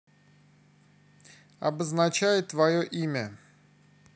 обозначает твое имя